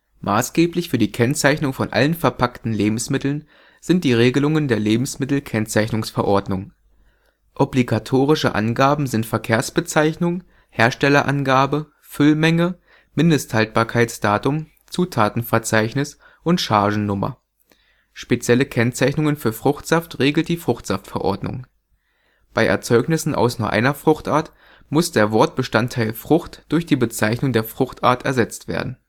Maßgeblich für die Kennzeichnung von allen verpackten Lebensmitteln sind die Regelungen der Lebensmittel-Kennzeichnungsverordnung. Obligatorische Angaben sind Verkehrsbezeichnung, Herstellerangabe, Füllmenge, Mindesthaltbarkeitsdatum, Zutatenverzeichnis und Chargennummer. Spezielle Kennzeichnungen für Fruchtsaft regelt die Fruchtsaftverordnung. Bei Erzeugnissen aus nur einer Fruchtart muss der Wortbestandteil „ Frucht “durch die Bezeichnung der Fruchtart ersetzt werden